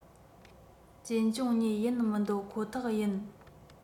གཅེན གཅུང གཉིས ཡིན མི འདོད ཁོ ཐག ཡིན